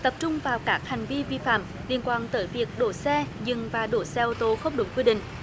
tập trung vào các hành vi vi phạm liên quan tới việc đỗ xe dừng và đỗ xe ô tô không đúng quy định